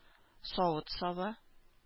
Савыт-саба